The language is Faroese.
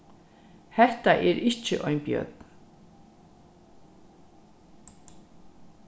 hetta er ikki ein bjørn